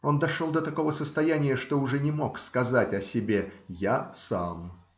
Он дошел до такого состояния, что уже не мог сказать о себе: я сам.